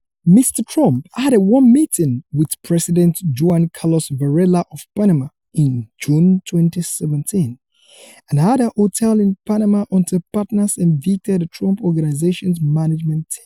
Mr. Trump had a warm meeting with President Juan Carlos Varela of Panama in June 2017 and had a hotel in Panama until partners evicted the Trump Organization's management team.